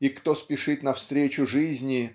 И кто спешит навстречу жизни